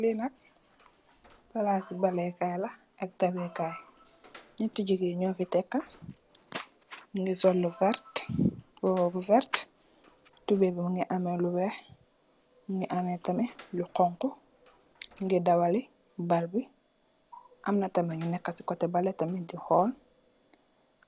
Lii nak, palaas i dawé kaay la, ak futbale kaay, ñaati jigéen ñu fi neekë, ñu ngi sol mbuba yu werta, tubooy yu werta, tubooy mu ngi amee lu weex, mu ngi amee tamit lu xoñxu, ñu ngee dawali bal bi. Am na tamit ñu néékë si kotte bale di xool,